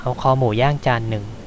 เอาคอหมูย่างจานหนึ่ง